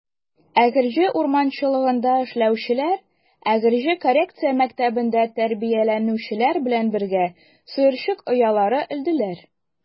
Әгерҗе урманчылыгында эшләүчеләр Әгерҗе коррекция мәктәбендә тәрбияләнүчеләр белән бергә сыерчык оялары элделәр.